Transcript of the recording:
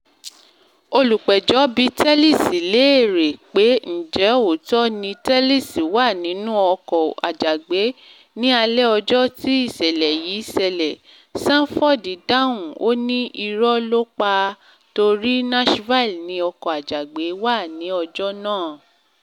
Olùpẹjọ́ bíi Tellis léèerè pé ǹjẹ́ òótọ́ ni Tellis wà nínú ọkọ̀-ajàgbé ní alẹ́ ọjọ́ tí ìṣẹlẹ̀ yí ṣẹ̀? Sanford dáhùn. Ó ní “Irọ́ ló pa a torí Nashville ni ọkọ̀-ajàgbe wà ní ọjọ́ náà.